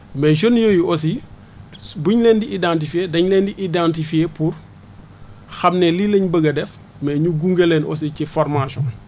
mais jeunes yooyu aussi bu ñu leen di identifier dañ leen di identifier pour xam ne lii lañ bëgg a def mais ñu gunge leen aussi ci formation yi